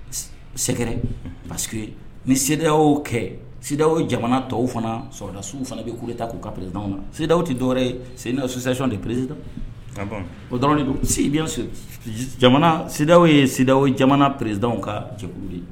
Sɛgɛrɛ parce nida kɛ sidada jamana tɔw fana sɔrɔladasiw fana bɛ' de ta k'u kaperedaw sidadaw tɛ dɔwɛrɛ sen susɛc peresitan o dɔrɔn don si bɛ sɔrɔda yeda jamana peresidtanw ka jɛkulu